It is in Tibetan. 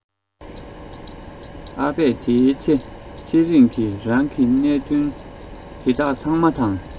ཨ ཕས དེའི ཚེ ཚེ རིང གི རང གི གནད དོན དེ དག ཚང མ དང